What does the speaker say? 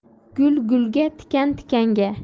gul gulga tikan tikanga